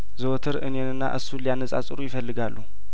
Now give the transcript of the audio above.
ዘወትር እኔንና እሱን ሊያነጻጽሩ ይፈልጋሉ